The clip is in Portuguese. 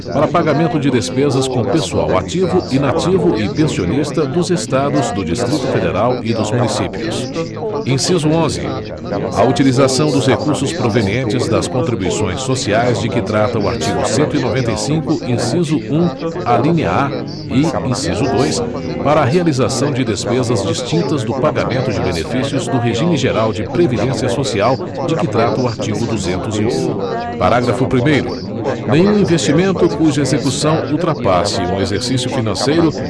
para pagamento de despesas com pessoal ativo inativo e pensionista dos estados do distrito federal e dos municípios inciso onze a utilização dos recursos provenientes das contribuições sociais de que trata o artigo cento e noventa e cinco inciso um alínea a e inciso dois para a realização de despesas distintas do pagamento de benefícios do regime geral de previdência social de que trata o artigo duzentos e um parágrafo primeiro nenhum investimento cuja execução ultrapasse um exercício financeiro